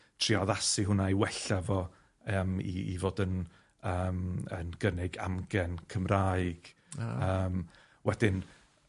trio addasu hwnna i wella fo yym i i fod yn yym yn gynnig amgen Cymraeg... O? ...yym. Wedyn